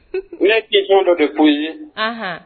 U ye kinɔn dɔ de foyi ye